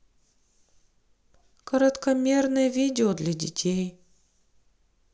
короткомерные видео для детей